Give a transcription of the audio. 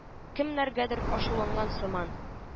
Кемнәргәдер ачуланган сыман